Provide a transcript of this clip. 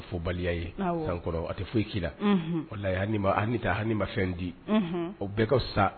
Baliya sankɔrɔ a tɛ foyi ki o la ha ni ta ha ni ma fɛn di o bɛɛ ka sa